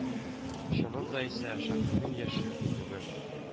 Чынында исә, шагыйрьнең яше, үлеме